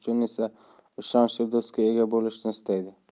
chiqarish uchun esa ishonchli do'stga ega bo'lishni istaydi